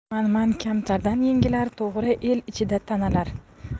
manman kamtardan yengilar to'g'ri el ichida tanilar